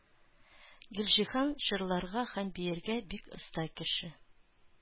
Гөлҗиһан җырларга һәм биергә бик оста кеше.